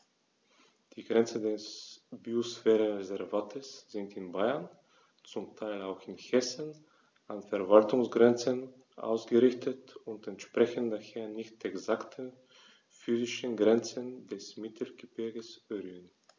Die Grenzen des Biosphärenreservates sind in Bayern, zum Teil auch in Hessen, an Verwaltungsgrenzen ausgerichtet und entsprechen daher nicht exakten physischen Grenzen des Mittelgebirges Rhön.